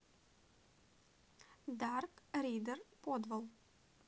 дарк ридал подвал